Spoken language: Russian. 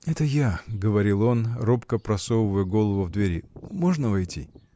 — Это я, — говорил он, робко просовывая голову в дверь, — можно войти?